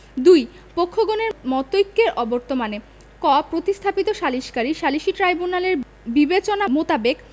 ২ পক্ষগণের মধ্যে মতৈক্যের অবর্তমানে ক প্রতিস্থাপিত সালিসকারী সালিসী ট্রাইব্যুনালের বিবেচনা মোতাবেক